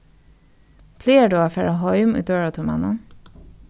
plagar tú at fara heim í døgurðatímanum